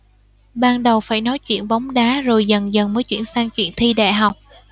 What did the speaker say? ban đầu phải nói chuyện bóng đá rồi dần dần mới chuyển sang chuyện thi đại học